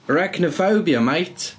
Arachnophobia mate.